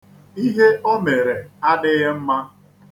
Ihe o mere adighi mma.